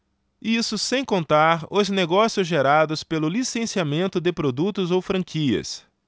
isso sem contar os negócios gerados pelo licenciamento de produtos ou franquias